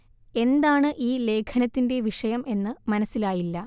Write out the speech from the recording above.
എന്താണ് ഈ ലേഖനത്തിന്റെ വിഷയം എന്നു മനസ്സിലായില്ല